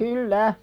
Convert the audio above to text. kyllä